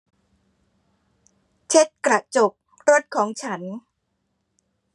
เช็ดกระจกรถของฉัน